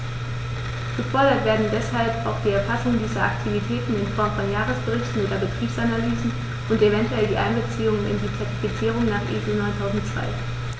Gefordert werden deshalb auch die Erfassung dieser Aktivitäten in Form von Jahresberichten oder Betriebsanalysen und eventuell die Einbeziehung in die Zertifizierung nach ISO 9002.